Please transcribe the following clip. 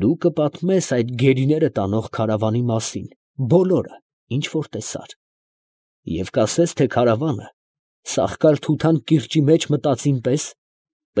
Դու կպատմես այդ գերիները տանող քարավանի մասին բոլորը, ինչ որ տեսար, և կասես, թե քարավանը Սախկալ֊Թութան կիրճի մեջ մտածին պես,